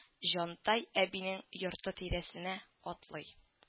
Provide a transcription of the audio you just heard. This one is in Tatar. Җантай әбинең йорты тирәсенә атлый